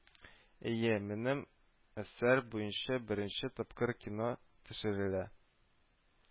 Әйе, минем әсәр буенча беренче тапкыр кино төшерелә